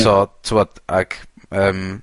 So t'mod ag yym.